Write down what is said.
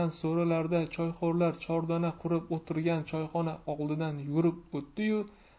so'rilarda choyxo'rlar chordana qurib o'tirgan choyxona oldidan yugurib o'tdi yu